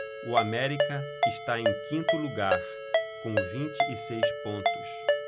o américa está em quinto lugar com vinte e seis pontos